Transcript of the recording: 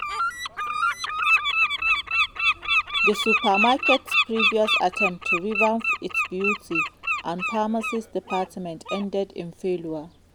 The supermarket's previous attempt to revamp its beauty and pharmacy departments ended in failure.